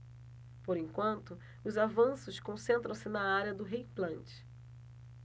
por enquanto os avanços concentram-se na área do reimplante